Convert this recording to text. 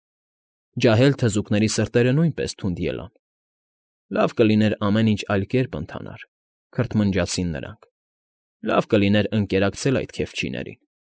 Ջահել թզուկների սրտերը նույնպես թունդ ելան. լավ կլիներ ամեն ինչ այլ կերպ ընթանար, քրթմնջացին նրանք, լավ կլիներ ընկերակցել այդ քեֆչիներին։